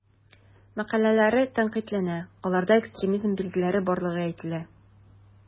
Мәкаләләре тәнкыйтьләнә, аларда экстремизм билгеләре барлыгы әйтелә.